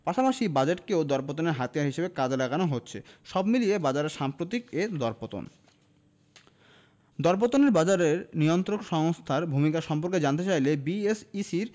পাশাপাশি বাজেটকেও দরপতনের হাতিয়ার হিসেবে কাজে লাগানো হচ্ছে সব মিলিয়ে বাজারের সাম্প্রতিক এ দরপতন দরপতনের বাজারে নিয়ন্ত্রক সংস্থার ভূমিকা সম্পর্কে জানতে চাইলে বিএসইসির